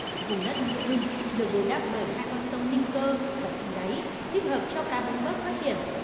vùng đất nghĩa hưng được bồi đắp bởi hai con sông ninh cơ và sông đáy thích hợp cho cá bống bớp phát triển